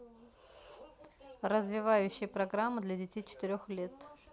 развивающая программа для детей четырех лет